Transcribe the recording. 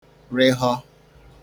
rehọ